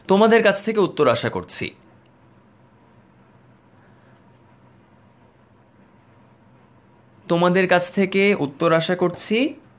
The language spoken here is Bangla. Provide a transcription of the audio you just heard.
তোমাদের কাছ থেকে উত্তর আশা করছি তোমাদের কাছ থেকে উত্তর আশা করছি